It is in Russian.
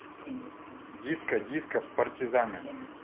диско диско партизаны